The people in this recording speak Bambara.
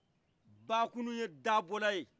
bakunu ye dabɔndaye